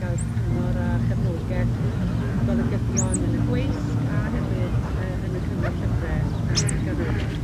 ga'l cyngor a chefnogeth golygyddion yn y gweisg a hefyd yy yn y cyngor llyfre yn ganolog.